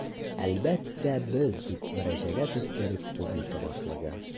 Әлбәттә, без, - дип мөрәҗәгать итте республика башлыгы.